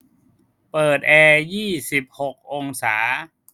เปิดแอร์ยี่สิบหกองศา